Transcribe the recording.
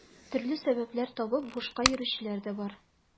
Төрле сәбәпләр табып бушка йөрүчеләр дә бар.